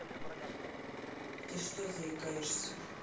ты что заикаешься